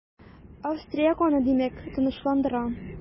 Австрияк аны димәк, тынычландыра.